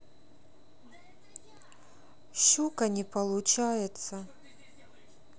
щука не получается